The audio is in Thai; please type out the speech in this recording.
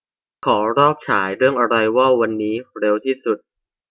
ขอรอบฉายเรื่องอะไรวอลวันนี้ที่เร็วที่สุด